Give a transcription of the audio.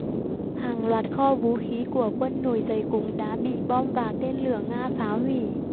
hàng loạt kho vũ khí của quân nổi dậy cũng đã bị bom và tên lửa nga phá hủy